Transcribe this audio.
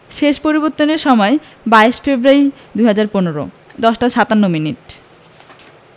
শেষ পরিবর্তনের সময় ২২ ফেব্রুয়ারি ২০১৫ ১০ টা ৫৭ মিনিট